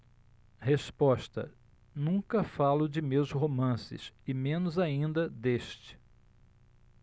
resposta nunca falo de meus romances e menos ainda deste